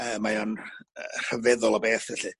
yy mae o'n rh- yy rhyfeddol o beth felly